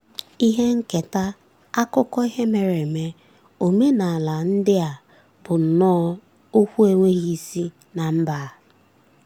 Ihe nketa, akụkọ ihe mere eme, omenala ndị a bụ nnọo okwu enweghị isi na mba a!